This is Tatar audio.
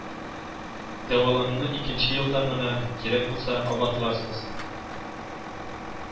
Дәвалануны икенче елда гына, кирәк булса, кабатларсыз